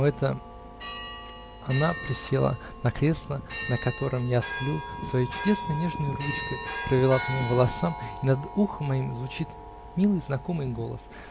это она присела на кресло, на котором я сплю, своей чудесной нежной ручкой провела по моим волосам, и над ухом моим звучит милый знакомый голос!